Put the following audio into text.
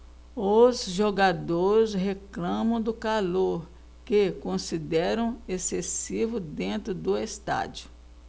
os jogadores reclamam do calor que consideram excessivo dentro do estádio